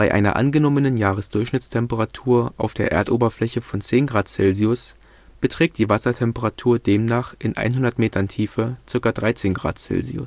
einer angenommenen Jahresdurchschnittstemperatur auf der Erdoberfläche von 10 °C beträgt die Wassertemperatur demnach in 100 m Tiefe ca. 13 °C